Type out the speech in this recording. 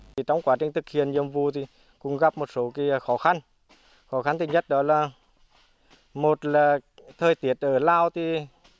chỉ trong quá trình thực hiện nhiệm vụ thì cũng gặp một số kia khó khăn khó khăn thứ nhất đó là một là thời tiết ở lào thì